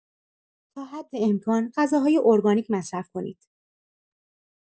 تا حد امکان غذاهای ارگانیک مصرف کنید.